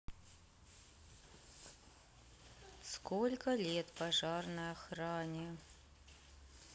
сколько лет пожарной охране